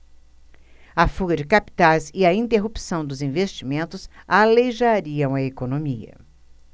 a fuga de capitais e a interrupção dos investimentos aleijariam a economia